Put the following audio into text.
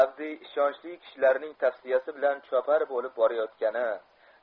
avdiy ishonchli kishilarning tavsiyasi bilan chopar bo'lib borayotgani